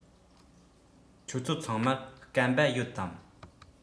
ཁྱོད ཚོ ཚང མར སྐམ པ ཡོད དམ